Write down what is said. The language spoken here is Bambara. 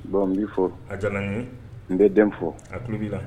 Bon n b'i fɔ , a diyara n ye , n bɛ den fɔ , a tulo b'a la.